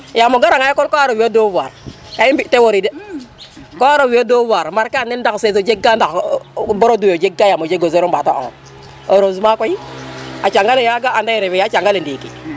yamo gara nga école ko waro fi o devoir marquer anel ndax 16 o jeg ka ndax brodo o jeg ka yamo jego 0 mbato 1 heureusement koy a canga le yaaga refe a caga ndiki